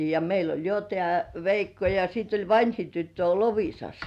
ja meillä oli jo tämä Veikko ja sitten oli vanhin tyttö on Loviisassa